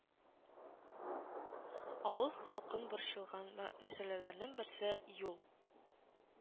Авыл халкын борчылган мәсьәләләрнең берсе - юл